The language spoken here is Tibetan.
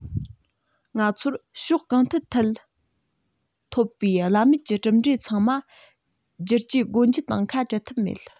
ང ཚོར ཕྱོགས གང ཐད ཐོབ པའི བླ མེད ཀྱི གྲུབ འབྲས ཚང མ བསྒྱུར བཅོས སྒོ འབྱེད དང ཁ བྲལ ཐབས མེད